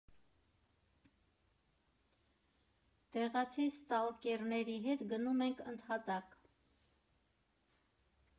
Տեղացի ստալկերների հետ գնում ենք ընդհատակ։